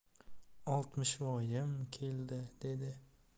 oltmishvoyim keldi dedi